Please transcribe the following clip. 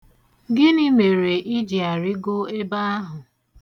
Gịnị mere ị ji arịgo ebe ahụ?